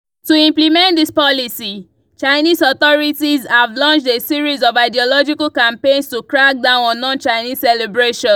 To implement this policy, Chinese authorities have launched a series of ideological campaigns to crack down on non-Chinese celebrations.